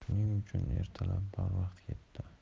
shuning uchun ertalab barvaqt keldi